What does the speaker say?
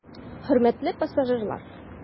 Хөрмәтле пассажирлар!